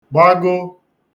gbago